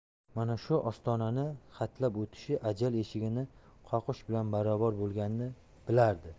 mana shu ostonani hatlab o'tishi ajal eshigini qoqish bilan barobar bo'lganini bilardi